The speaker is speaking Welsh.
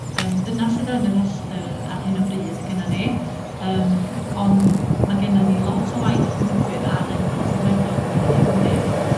yym dyna sydd yn y rhestyr ar hyn o bryd gennon ni yym ond ma' gennon ni lot o waith yn digwydd ar enwa' tirweddol yn y cefndir.